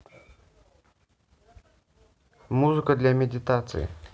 музыка для медитации